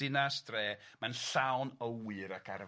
dinas/dre, mae'n llawn o wyr ac arfau.